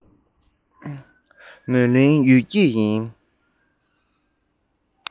མོན གླིང གཡུལ འགྱེད ཡིན